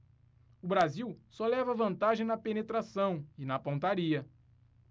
o brasil só leva vantagem na penetração e na pontaria